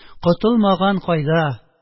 – котылмаган кайда!